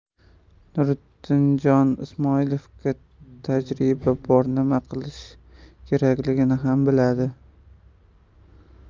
nurdinjon ismoilovda tajriba bor nima qilish kerakligini ham biladi